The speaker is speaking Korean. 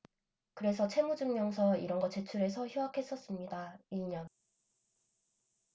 그래서 채무증명서 이런 거 제출해서 휴학했었습니다 일 년